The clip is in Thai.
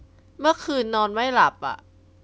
เมื่อคืนนอนไม่หลับอะ